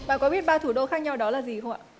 bạn có biết ba thủ đô khác nhau đó là gì không ạ